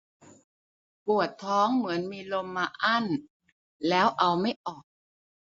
ปวดท้องเหมือนมีลมมาอั้นแล้วเอาไม่ออก